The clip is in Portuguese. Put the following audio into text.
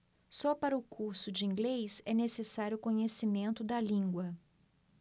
só para o curso de inglês é necessário conhecimento da língua